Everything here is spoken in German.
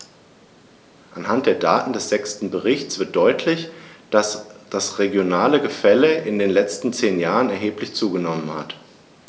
Anhand der Daten des sechsten Berichts wird deutlich, dass das regionale Gefälle in den letzten zehn Jahren erheblich zugenommen hat.